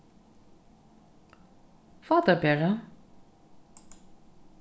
fá tær bara